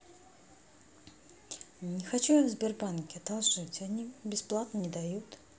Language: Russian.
не хочу я в сбербанке одолжить они бесплатно не дают